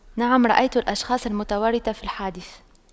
نعم رأيت الأشخاص المتورطة في الحادث